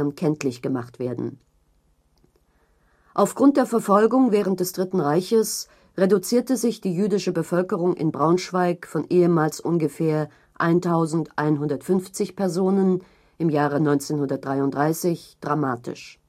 kenntlich gemacht werden. Aufgrund der Verfolgung während des „ Dritten Reiches “reduzierte sich die jüdische Bevölkerung Braunschweigs von ehemals ungefähr 1150 Personen im Jahre 1933 dramatisch